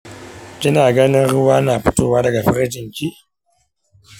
kina ganin ruwa yana fitowa daga farjinki?